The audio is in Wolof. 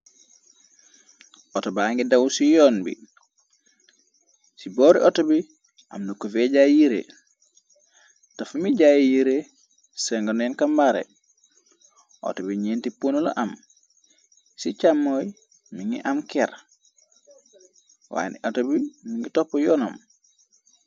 Auto ba ngi daw ci yoon bi, ci boori auto bi amna ko veejaay yire, defu mi jaay yire sengonoen kambaare. Auto bi ñeenti puno la am, ci chàmmooy mi ngi am keer, waaye ne auto bi mi ngi topp yoonam.